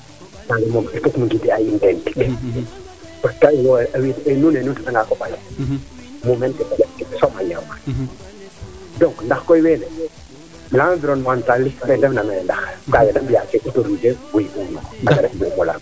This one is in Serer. kaaga moom il faut nu guider a in teen ndax ka ref a wora nuun ne nu ndeta nga koɓale muumeen ke soma ñaama yo donc ndax koy weene l environnementaliste fee ndef na meene